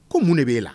Ko mun de b bɛ'e la